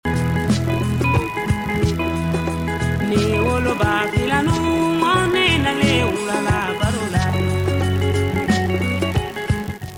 Legolobalanu msonin labanlainɛ